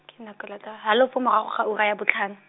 ke nna ka , halofo morago ga ura ya botlhano.